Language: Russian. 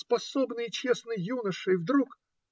Способный и честный юноша - и вдруг.